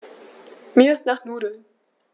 Mir ist nach Nudeln.